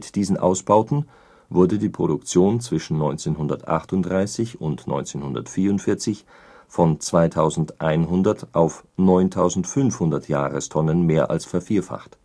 diesen Ausbauten wurde die Produktion zwischen 1938 und 1944 von 2100 auf 9500 Jahrestonnen mehr als vervierfacht